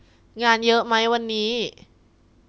งานเยอะไหมวันนี้